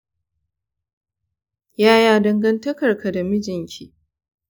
yaya dangantakarka da mijinki?